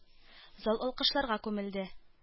Зал алкышларга күмелде.